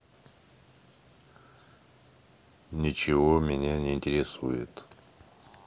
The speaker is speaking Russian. ничего меня не интересует